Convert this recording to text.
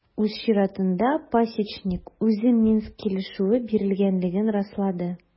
Үз чиратында Пасечник үзе Минск килешүенә бирелгәнлеген раслады.